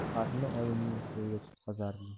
xatni oyimning qo'liga tutqazardi